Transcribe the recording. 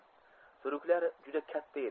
sumklar juda katta edi